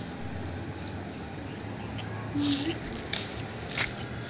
ни жив ни мертв